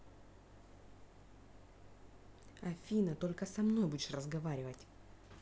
афина только со мной будешь разговаривать